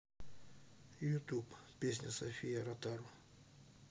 ютуб песня софия ротару